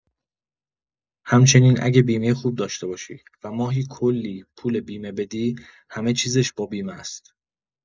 همچنین اگه بیمه خوب داشته باشی و ماهی کلی پول بیمه بدی، همه چیزش با بیمه است.